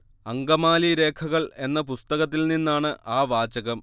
അങ്കമാലി രേഖകൾ എന്ന പുസ്തകത്തിൽ നിന്നാണ് ആ വാചകം